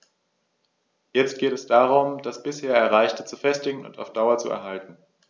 Jetzt geht es darum, das bisher Erreichte zu festigen und auf Dauer zu erhalten.